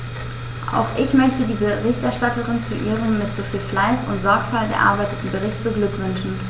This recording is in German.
Auch ich möchte die Berichterstatterin zu ihrem mit so viel Fleiß und Sorgfalt erarbeiteten Bericht beglückwünschen.